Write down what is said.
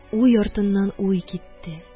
Уй артыннан уй китте